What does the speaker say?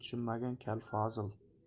tushunmagan kal fozil